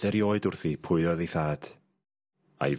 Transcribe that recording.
...erioed wrthi pwy oedd ei thad. Ai...